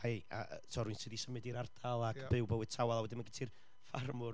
a'i, a, ti'n gwybod, rywun sy 'di symud i'r ardal ac byw bywyd tawel, a wedyn mae gen ti'r ffarmwr,